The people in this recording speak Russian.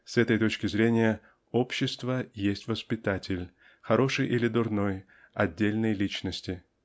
С этой точки зрения "общество" есть воспитатель хороший или дурной отдельной личности.